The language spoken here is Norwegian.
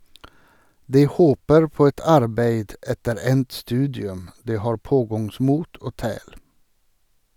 De håper på et arbeid etter endt studium , de har pågangsmot og tæl.